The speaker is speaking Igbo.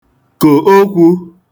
kò okwū